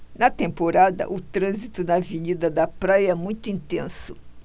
na temporada o trânsito na avenida da praia é muito intenso